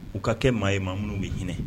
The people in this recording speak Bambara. U ka kɛ maa ye, maa minnu bɛ hinɛ.